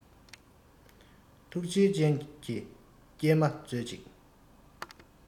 ཐུགས རྗེའི སྤྱན གྱིས སྐྱེལ མ མཛོད ཅིག